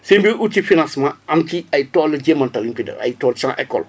sëñ bi ut si financement am ci ay toolu **** ay tool sans école